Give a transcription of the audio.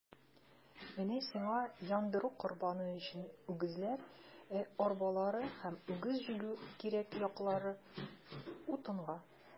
Менә сиңа яндыру корбаны өчен үгезләр, ә арбалары һәм үгез җигү кирәк-яраклары - утынга.